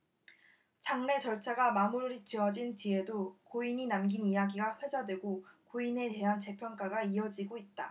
장례 절차가 마무리지어진 뒤에도 고인이 남긴 이야기가 회자되고 고인에 대한 재평가가 이어지고 있다